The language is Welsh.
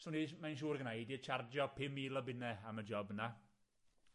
...swn i s- mae'n siŵr gynna i 'di charjio pum mil o bunne am y job yna